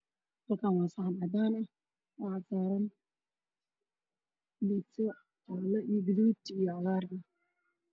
Halkaan waa saxan cadaan ah waxa saaran rooti iyo cagaar ah